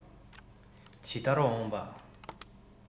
ཇི ལྟར འོངས པ